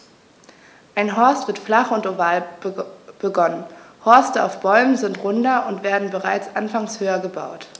Ein Horst wird flach und oval begonnen, Horste auf Bäumen sind runder und werden bereits anfangs höher gebaut.